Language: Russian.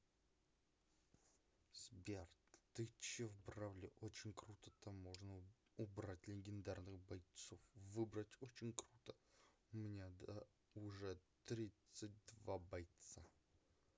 сбер ты чел в бравле очень круто там можно убрать легендарных бойцов выбивать очень круто у меня уже тридцать два бойца